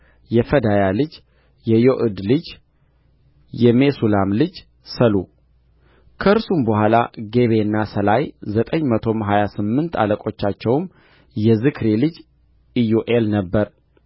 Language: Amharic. የፈዳያ ልጅ የዮእድ ልጅ የሜሱላም ልጅ ሰሉ ከእርሱም በኋላ ጌቤና ሳላይ ዘጠኝ መቶም ሀያ ስምንት አለቃቸውም የዝክሪ ልጅ ኢዮኤል ነበረ